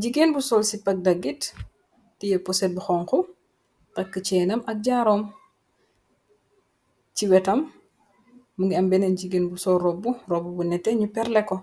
Jigéen bu sol cipa daggit, tie poset bu xonku, takk ceenam ak jaaroom. Ci wetam mu ngi ambéeneen jigéen bu sol robbu ,robbu bu neté ñu perle ko ,